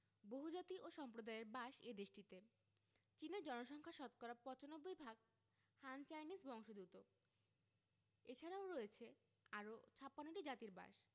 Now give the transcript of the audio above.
বহুজাতি ও সম্প্রদায়ের বাস এ দেশটিতে চীনের জনসংখ্যা শতকরা ৯৫ ভাগ হান চাইনিজ বংশোদূত এছারাও রয়েছে আরও ৫৬ টি জাতির বাস